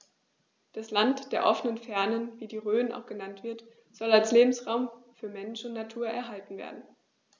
Das „Land der offenen Fernen“, wie die Rhön auch genannt wird, soll als Lebensraum für Mensch und Natur erhalten werden.